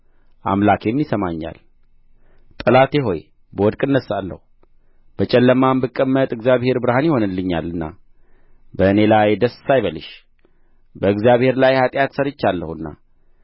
አምላኬም ይሰማኛል ጠላቴ ሆይ ብወድቅ እነሣለሁና በጨለማም ብቀመጥ እግዚአብሔር ብርሃን ይሆንልኛልና በእኔ ላይ ደስ አይበልሽ በእግዚአብሔር ላይ ኃጢአት ሠርቻለሁና